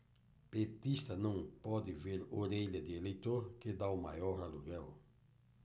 petista não pode ver orelha de eleitor que tá o maior aluguel